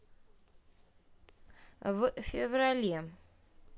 в феврале